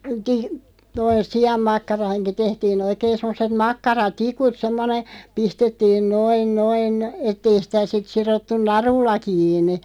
-- sianmakkaraankin tehtiin oikein semmoiset makkaratikut semmoinen pistettiin noin noin että ei sitä sitten sidottu narulla kiinni